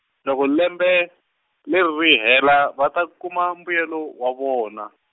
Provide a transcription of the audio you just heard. loko lembe, leri ri hela, va ta kuma mbuyelo, wa vona.